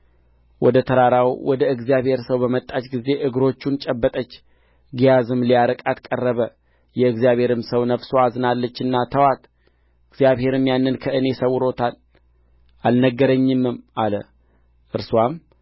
ሎሌውን ግያዝን እነኋት ሱነማዊቲቱ መጣች ትቀበላትም ዘንድ ሩጥና በደኅናሽ ነውን ባልሽ ደኅና ነውን ልጅሽስ ደኅና ነውን በላት አለው እርስዋም ደኅና ነው አለች